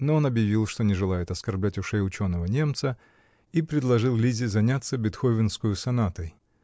но он объявил, что не желает оскорблять ушей ученого немца, и предложил Лизе заняться бетговенскою сонатой.